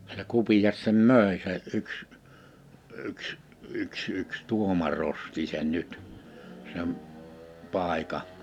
se Kupias sen myi se yksi yksi yksi yksi tuomari osti sen nyt sen paikan